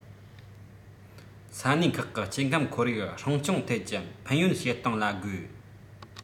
ས གནས ཁག གི སྐྱེ ཁམས ཁོར ཡུག སྲུང སྐྱོང ཐད ཀྱི ཕན ཡོད བྱེད སྟངས ལ དགོས